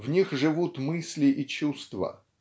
В них живут мысли и чувства